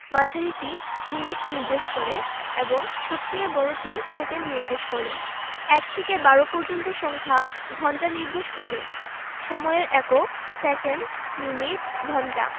মাঝারিটি মিনিট নির্দেশ করে এবং সবচেয়ে বড়টি সেকেন্ড নির্দেশ করে ১ থেকে ১২ পর্যন্ত সংখ্যা ঘন্টা নির্দেশ করে সময়ের এককঃ সেকেন্ড মিনিট ঘন্টা